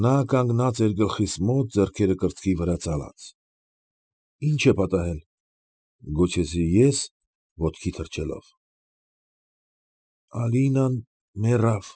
Նա կանգնած գլխիս մոտ ձեռքերը կրծքի վրա ծալած։ ֊ Ի՞նչ է պատահել,֊գոչեցի ես, ոտքի թռչելով։ ֊ Ալինան, մեռավ։